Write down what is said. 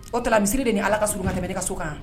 O tmisiriri de ni ala ka sun ka tɛmɛ i ka so kan